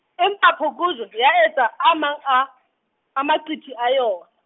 empa phokojwe, ya etsa, amang a, a maqiti a yona.